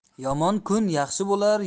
yomon kun yaxshi bo'lar